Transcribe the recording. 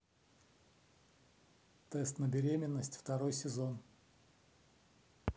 тест на беременность второй сезон